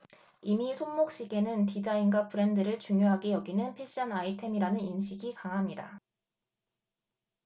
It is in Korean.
이미 손목시계는 디자인과 브랜드를 중요하게 여기는 패션 아이템이라는 인식이 강합니다